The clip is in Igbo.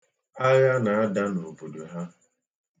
Agha na-ada n'obodo ha.